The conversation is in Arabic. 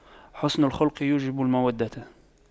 حُسْنُ الخلق يوجب المودة